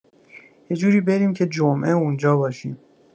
یه جوری بریم که جمعه اونجا باشیم.